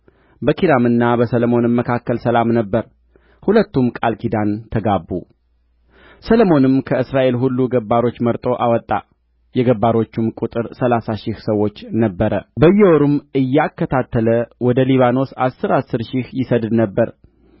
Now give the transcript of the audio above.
በኪራምና በሰሎሞንም መካከል ሰላም ነበረ ሁለቱም ቃል ኪዳን ተጋቡ ሰሎሞንም ከእስራኤል ሁሉ ገባሮቹን መርጦ አወጣ የገባሮቹም ቍጥር ሠላሳ ሺህ ሰዎች ነበረ በየወሩም እያከታተለ ወደ ሊባኖስ አሥር አሥር ሺህ ይሰድድ ነበር